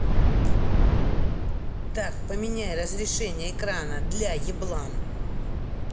так поменяй разрешение экрана для еблан